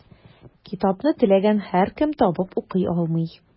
Китапны теләгән һәркем табып укый алмый.